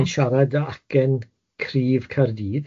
Yn siarad a acen cryf Cardydd.